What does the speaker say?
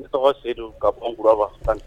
N tɔgɔ Sedu ka bɔ